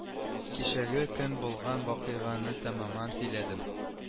Кичәге көн булган вакыйганы тәмамән сөйләдем